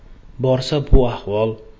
borsa bu ahvol